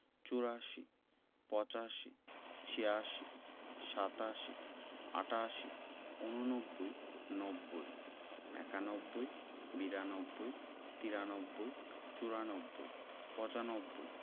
৮৪ – চুরাশি ৮৫ – পঁচাশি ৮৬ – ছিয়াশি ৮৭ – সাতাশি ৮৮ – আটাশি ৮৯ – ঊননব্বই ৯০ - নব্বই ৯১ - একানব্বই ৯২ - বিরানব্বই ৯৩ - তিরানব্বই ৯৪ – চুরানব্বই ৯৫ - পচানব্বই